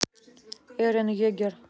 эрен йегер